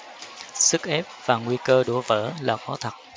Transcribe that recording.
sức ép và nguy cơ đổ vỡ là có thật